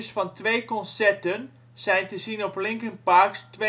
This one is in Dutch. van twee concerten zijn te zien op Linkin Park